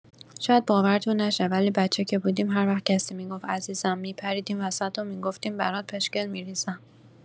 شاید باورتون نشه ولی بچه که بودیم هروقت کسی می‌گفت عزیزم می‌پریدیم وسط و می‌گفتیم برات پشکل می‌ریزم.